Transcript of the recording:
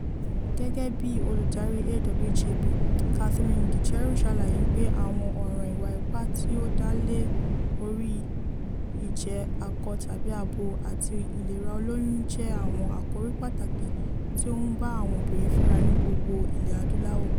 Gẹ́gẹ́ bíi olùdarí AWJP, Catherine Gicheru ṣàlàyé pé àwọn ọ̀ràn ìwà ipá tí ó dálè orí ìjẹ́ akọ tàbí abo àti ìlera olóyún jẹ́ àwọn àkòrí pàtàkì tí ó ń bá àwọn obìnrin fínra ní gbogbo Ilẹ̀ Adúláwò.